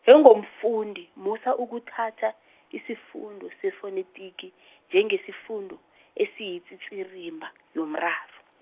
njengomfundi, musa ukuthatha, isifundo sefonetiki, njengesifundo, esiyitsitsirimba, yomraro.